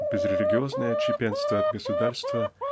безрелигиозное отщепенство от государства